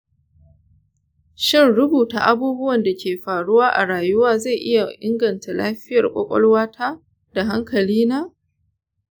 shin rubuta abubuwan da ke faruwa a rayuwa zai iya inganta lafiyar kwakwalwata da hankalina?